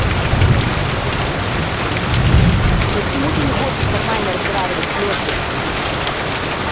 почему ты не хочешь нормально разговаривать с лешей